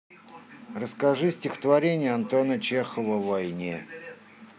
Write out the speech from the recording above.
расскажи стихотворение антона чехова о войне